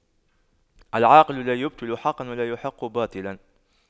العاقل لا يبطل حقا ولا يحق باطلا